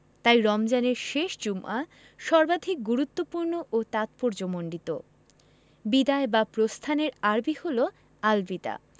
তাই রমজানের শেষ জুমা সর্বাধিক গুরুত্বপূর্ণ ও তাৎপর্যমণ্ডিত বিদায় বা প্রস্থানের আরবি হলো আল বিদা